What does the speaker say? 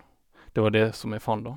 Det var det som jeg fant, da.